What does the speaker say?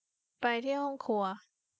ไปที่ห้องครัว